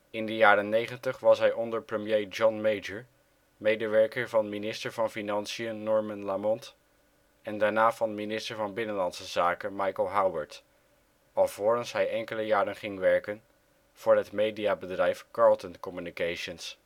In de jaren 90 was hij onder premier John Major medewerker van minister van financiën Norman Lamont, en daarna van minister van binnenlandse zaken Michael Howard, alvorens hij enkele jaren ging werken voor het mediabedrijf Carlton Communications